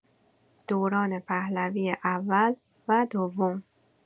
دوران پهلوی اول و دوم